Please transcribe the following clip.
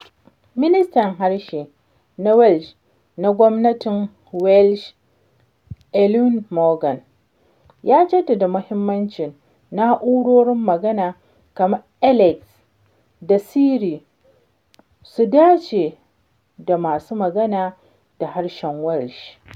Ministan harshe na Welsh na gwamnatin Welsh, Eluned Morgan, ya jaddada muhimmancin na'urorin magana kamar Alexa da Siri su dace da masu magana da harshen Welsh.